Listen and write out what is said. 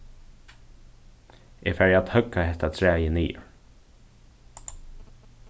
eg fari at høgga hetta træið niður